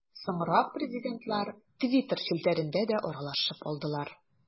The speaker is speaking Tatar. Соңрак президентлар Twitter челтәрендә дә аралашып алдылар.